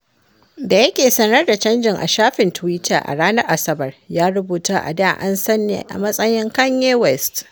Da yake sanar da canjin a shafin Twitter a ranar Asabar, ya rubuta: “A da an san ni a matsayin Kanye West.”